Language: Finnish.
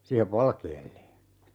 siihen valkealle